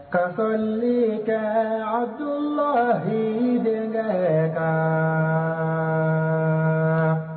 Ka' fa tile kɛ a dun ma deli kɛ ka